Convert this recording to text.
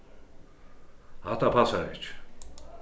hatta passar ikki